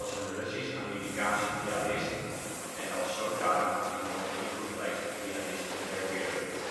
Russisch-Amerikaanse pianist en als zodanig één van de invloedrijkste pianisten ter wereld